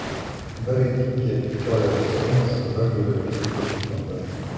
bir etikka ikki oyoq sig'mas bir yurakka ikki muhabbat